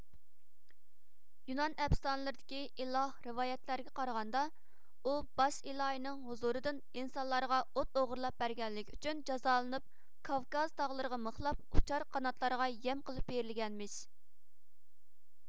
يۇنان ئەپسانىلىرىدىكى ئىلاھ رىۋايەتلەرگە قارىغاندا ئۇ باش ئىلاھىنىڭ ھۇزۇرىدىن ئىنسانلارغا ئوت ئوغىرلاپ بەرگەنلىكى ئۈچۈن جازالىنىپ كافكاز تاغلىرىغا مىخلاپ ئۇچار قاناتلارغا يەم قىلىپ بېرىلگەنمىش